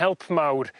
help mawr